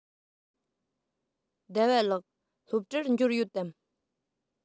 ཟླ བ ལགས སློབ གྲྭར འབྱོར ཡོད དམ